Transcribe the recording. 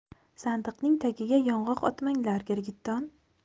sandiqning tagiga yong'oq otmanglar girgitton